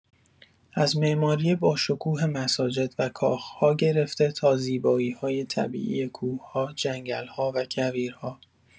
از معماری باشکوه مساجد و کاخ‌ها گرفته تا زیبایی‌های طبیعی کوه‌ها، جنگل‌ها و کویرها